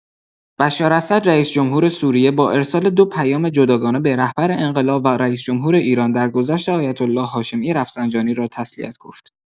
بشاراسد، رئیسجمهور سوریه با ارسال دو پیام جداگانه به رهبر انقلاب و رئیس‌جمهور ایران، درگذشت آیتالله هاشمی رفسنجانی را تسلیت گفت.